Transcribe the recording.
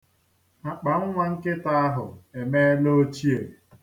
Akpannwa nkịta ahụ emeela ochie.